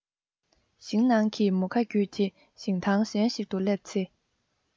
ཞིང ནང གི མུ ཁ བརྒྱུད དེ ཞིང ཐང གཞན ཞིག ཏུ སླེབས ཚེ